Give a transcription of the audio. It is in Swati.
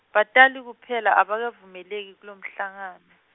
batali kuphela abakavumeleki kulomhlangano.